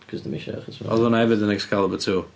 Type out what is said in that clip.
Cause dwi'm isio... oedd hwnna hefyd yn Excalibur Two?